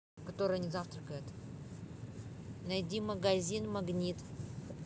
найди магазин магнит